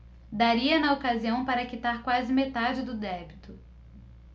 daria na ocasião para quitar quase metade do débito